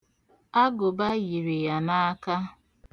Agụba yiri ya n'aka.